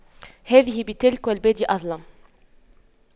هذه بتلك والبادئ أظلم